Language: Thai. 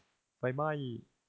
ไฟไหม้